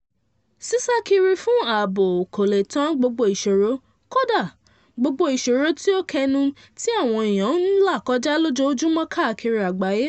Sísá kiri fún ààbò kò lè tán gbogbo ìṣòro -- kódà gbogbo ìṣòro tí ó kẹnú -- tí àwọn ènìyàn ń là kọjá lójoojúmọ́ kaakiri agbàayé.